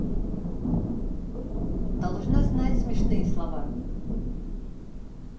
должна знать смешные слова